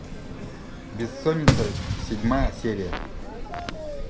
бессонница седьмая серия